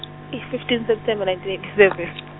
e- fifteen September nineteen eighty seven.